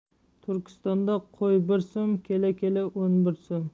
turkistonda qo'y bir so'm kela kela o'n bir so'm